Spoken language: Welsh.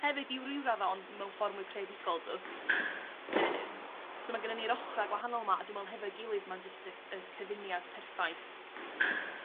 hefyd i ryw radda ond mewn ffor mwy creadigol dw't yym so ma' gennon ni'r ochra' gwahanol 'ma a dwi me'wl hefo'i gilydd ma'n jyst y y cyfuniad perffaith.